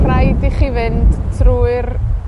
rhaid i chi fynd trwy'r